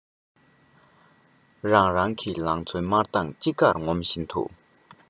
རང གི ལང ཚོའི དམར མདངས ཅི དགར ངོམ བཞིན དུ